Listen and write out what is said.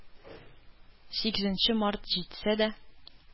Сигезенче март җитсә дә,